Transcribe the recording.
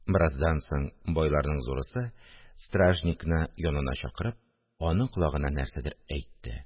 Бераздан соң байларның зурысы, стражникны янына чакырып, аның колагына нәрсәдер әйтте